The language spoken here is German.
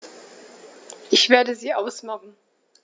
Ich werde sie ausmachen.